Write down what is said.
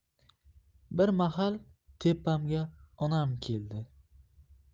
bir mahal tepamga onam keldi